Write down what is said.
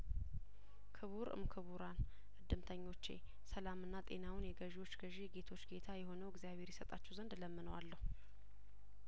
ክቡር እም ክቡራን እድምተኞቼ ሰላምና ጤናውን የገዢዎች ገዢ የጌቶች ጌታ የሆነው እግዚአብሄር ይሰጣችሁ ዘንድ እለምነዋለሁ